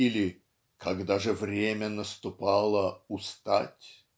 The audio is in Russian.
или Когда же время наступало Устать.